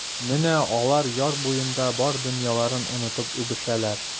Менә алар яр буенда бар дөньяларын онытып үбешәләр.